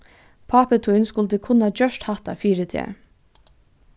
pápi tín skuldi kunnað gjørt hatta fyri teg